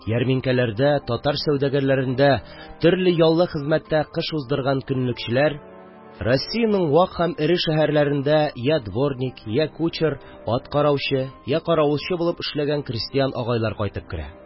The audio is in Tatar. Ярминкәләрдә, татар сәүдәгәрләрендә төрле яллы хезмәттә кыш уздырган көнлекчеләр, россиянең вак һәм эре шәһәрләрендә я дворник, я кучер, ат караучы, я каравылчы булып эшләгән крәстиән агайлар кайтып керә.